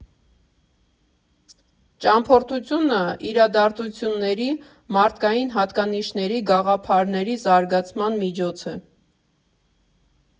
Ճամփորդությունը իրադարձությունների, մարդկային հատկանիշների, գաղափարների զարգացման միջոց է։